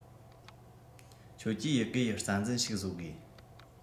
ཁྱོད ཀྱིས ཡི གེ ཀྱི རྩ འཛིན ཞིག བཟོ དགོས